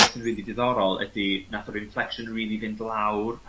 be' sy'n rili ddiddorol ydi nath yr inflection rili fynd lawr